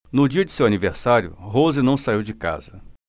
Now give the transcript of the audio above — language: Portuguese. no dia de seu aniversário rose não saiu de casa